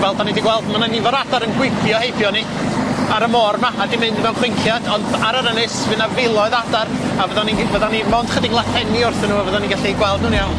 Fel 'da ni di gweld ma' 'na nifer o adar yn gwibio heibio ni ar y môr 'ma a 'di mynd mewn chwinciad ond ar yr ynys fydd 'na filoedd o adar a fyddwn ni'n g- fydda ni mond chydig lathenni oddi wrthyn n'w a fyddwn ni'n gallu gweld n'w'n iawn.